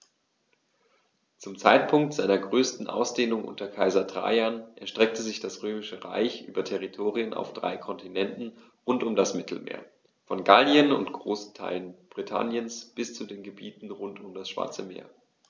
Zum Zeitpunkt seiner größten Ausdehnung unter Kaiser Trajan erstreckte sich das Römische Reich über Territorien auf drei Kontinenten rund um das Mittelmeer: Von Gallien und großen Teilen Britanniens bis zu den Gebieten rund um das Schwarze Meer.